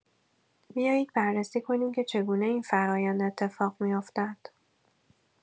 بیایید بررسی کنیم که چگونه این فرایند اتفاق می‌افتد.